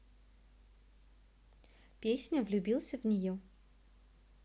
песня влюбился в нее